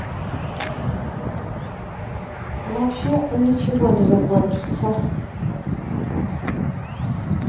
вообще он ничего не закончится